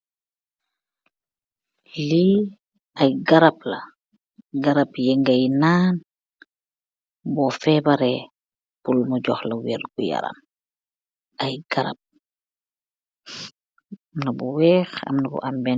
Lee ayi garab la, garab yi ngai nan bo febareh, purr mu johk la wherr bu yaram. Ayi garab, Anna bu whehk, amna bena bu am...